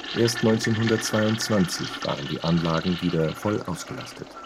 Erst 1922 waren die Anlagen wieder voll ausgelastet